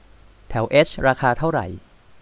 แถวเอชราคาเท่าไหร่